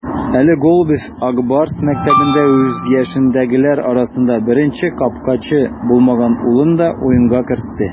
Әле Голубев "Ак Барс" мәктәбендә үз яшендәгеләр арасында беренче капкачы булмаган улын да уенга кертте.